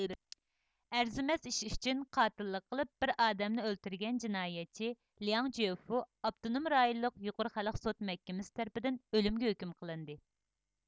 ئەرزىمەس ئىش ئۈچۈن قاتىللىق قىلىپ بىر ئادەمنى ئۆلتۈرگەن جىنايەتچى لياڭ جۆفۇ ئاپتونوم رايونلۇق يۇقىرى خەلق سوت مەھكىمىسى تەرىپىدىن ئۆلۈمگە ھۆكۈم قىلىندى